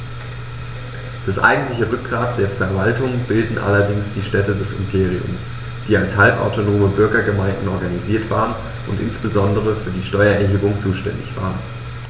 Das eigentliche Rückgrat der Verwaltung bildeten allerdings die Städte des Imperiums, die als halbautonome Bürgergemeinden organisiert waren und insbesondere für die Steuererhebung zuständig waren.